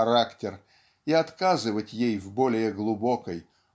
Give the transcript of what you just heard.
характер и отказывать ей в более глубокой